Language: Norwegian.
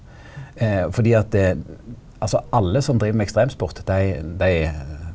fordi at det altså alle som driv med ekstremsport dei dei.